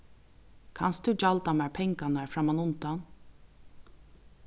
kanst tú gjalda mær pengarnar frammanundan